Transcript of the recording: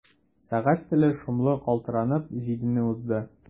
Сәгать теле шомлы калтыранып җидене узды.